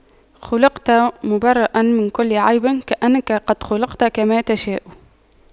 خلقت مُبَرَّأً من كل عيب كأنك قد خُلقْتَ كما تشاء